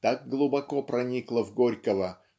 так глубоко проникло в Горького